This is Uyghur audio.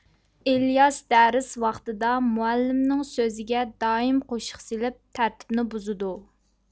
ئىلياس دەرس ۋاقتىدا مۇئەللىمنىڭ سۆزىگە دائىم قوشۇق سېلىپ تەرتىپنى بۇزىدۇ